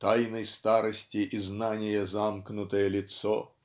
тайной старости и знания замкнутое лицо"